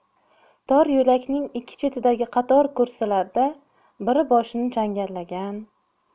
tor yo'lakning ikki chetidagi qator kursilarda biri boshini changallagan